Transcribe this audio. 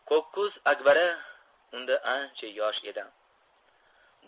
ko'k ko'z akbara unda ancha yosh edi